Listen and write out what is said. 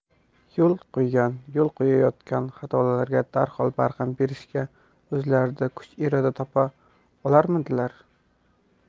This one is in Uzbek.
yo'l qo'ygan yo'l qo'yayotgan xatolarga darhol barham berishga o'zlarida kuch iroda topa olarmidilar